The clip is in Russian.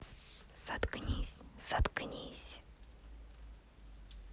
заткнись заткнись